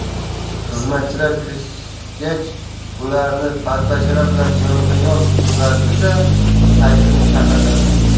xizmatchilar kirishgach ularni badbashara bilan yonma yon turg'azdi da sayfini chaqirtirdi